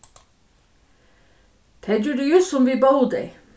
tey gjørdu júst sum vit bóðu tey